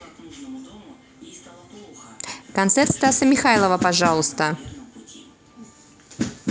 концерт стаса михайлова пожалуйста